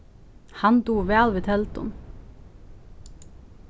hann dugir væl við teldum